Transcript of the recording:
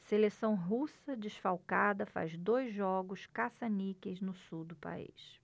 seleção russa desfalcada faz dois jogos caça-níqueis no sul do país